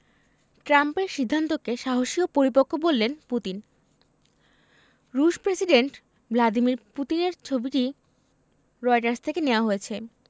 ট্রাম্পের সিদ্ধান্তকে সাহসী ও পরিপক্ব বললেন পুতিন রুশ প্রেসিডেন্ট ভ্লাদিমির পুতিনের ছবিটি রয়টার্স থেকে নেয়া হয়েছে